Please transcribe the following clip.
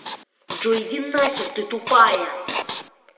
джой иди нахер ты тупая